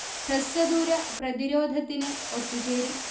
ഹ്രസ്വദൂര പ്രതിരോധത്തിന് ഒത്തുചേരും